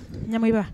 Ya